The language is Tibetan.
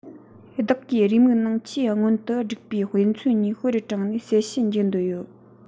བདག གིས རེའུ མིག ནང ཆེས སྔོན དུ བསྒྲིགས པའི དཔེ མཚོན གཉིས དཔེ རུ དྲངས ནས གསལ བཤད བགྱི འདོད ཡོད